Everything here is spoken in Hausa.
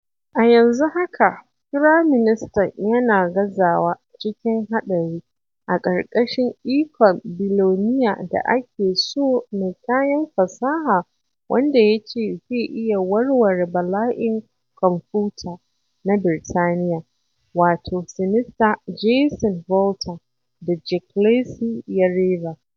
A yanzun haka, firaministan yana gazawa cikin haɗari a ƙarƙashin ikon biloniya da ake so mai kayan fasaha wanda ya ce zai iya warware bala'in kwamfuta na Birtaniyya: wato sinister Jason Volta, da Jake Lacy ya rera.